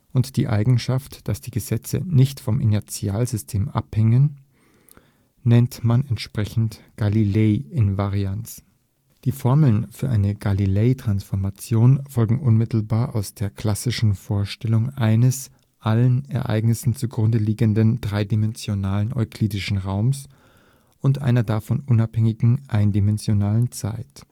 und die Eigenschaft, dass die Gesetze nicht vom Inertialsystem abhängen (sich bei einer Galileitransformation also nicht ändern), nennt man entsprechend Galilei-Invarianz. Die Formeln für eine Galileitransformation folgen unmittelbar aus der klassischen Vorstellung eines allen Ereignissen zugrundeliegenden dreidimensionalen euklidischen Raumes und einer davon unabhängigen (eindimensionalen) Zeit